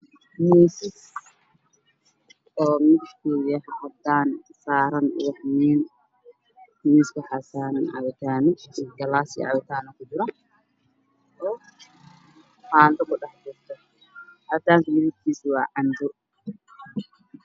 Miisas oo midabkooda yahay cadaan waxaa saaran saxmiin miiska waxaa saaran cabitaan iyo galaas cabitaan ku jiro qaado ku dhex jirto cabitaanka midabkiisa waa canbo.